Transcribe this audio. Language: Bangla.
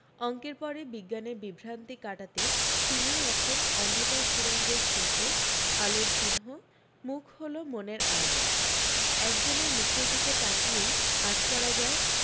অঙ্কের পরে বিজ্ঞানের বিভ্রান্তি কাটাতে তিনিই এখন অন্ধকার সুড়ঙ্গের শেষে আলোর চিহ্ন মুখ হল মনের আয়না এক জনের মুখের দিকে তাকিয়েই আঁচ করা যায়